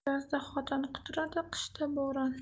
yozda xotin quturadi qishda burun